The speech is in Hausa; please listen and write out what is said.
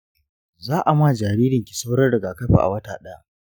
za'a ma jaririnki sauran rigakafi a wata ɗaya.